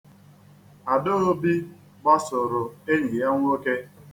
Adaobi gbasoro enyi ya nwoke.